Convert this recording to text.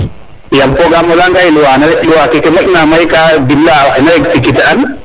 yam fogam o leya nga loi keke moƴ na may ka dimle a oxe na executer an